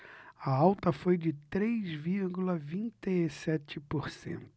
a alta foi de três vírgula vinte e sete por cento